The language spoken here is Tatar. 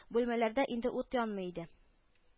Бүлмәләрдә инде ут янмый иде